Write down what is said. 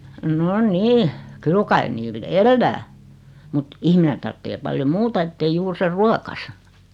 no niin kyllä kai niillä elää mutta ihminen tarvitsee paljon muuta että ei juuri sen ruokansa